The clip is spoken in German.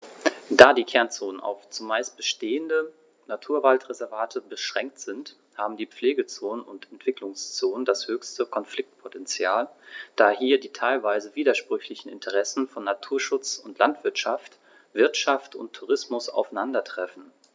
Da die Kernzonen auf – zumeist bestehende – Naturwaldreservate beschränkt sind, haben die Pflegezonen und Entwicklungszonen das höchste Konfliktpotential, da hier die teilweise widersprüchlichen Interessen von Naturschutz und Landwirtschaft, Wirtschaft und Tourismus aufeinandertreffen.